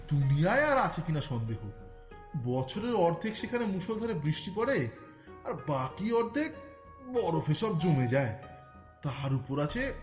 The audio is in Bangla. দুনিয়ায় আর আছে কিনা সন্দেহ বছরের অর্ধেক সেখানে মুষলধারে বৃষ্টি পড়ে আর বাকি অর্ধেক বরফে সব জমে যায় তার উপর আছে